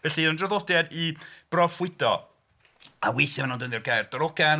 Felly mae'n draddodiad i broffwyddo a weithiau maen nhw'n defnyddio'r gair 'darogan'.